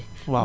waaw